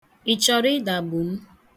Ị chọrọ ịdagbu m?